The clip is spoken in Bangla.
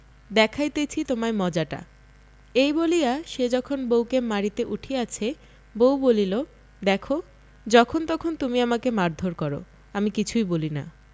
দেখাইতেছি তোমায় মজাটা এই বলিয়া সে যখন বউকে মারিতে উঠিয়াছে বউ বলিল দেখ যখন তখন তুমি আমাকে মারধর কর আমি কিছুই বলি না